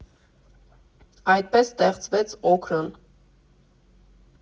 Այդպես ստեղծվեց «Օքրան»։